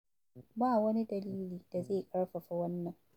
Ba wani dalili da zai ƙarfafa wannan.